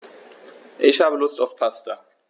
Ich habe Lust auf Pasta.